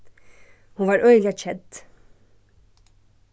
hon var øgiliga kedd